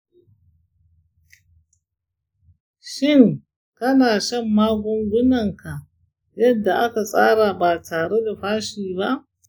shin kana shan magungunanka yadda aka tsara ba tare da fashi ba?